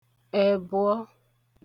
ẹ̀bụ̀ọ